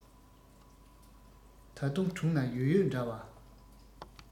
ད དུང དྲུང ན ཡོད ཡོད འདྲ བ